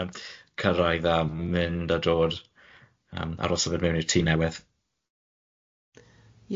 yy cyrraedd a mynd a dod yym ar ôl symud mewn i'r tŷ newydd.